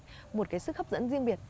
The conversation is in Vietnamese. một cái sức hấp dẫn riêng biệt